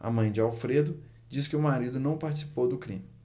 a mãe de alfredo diz que o marido não participou do crime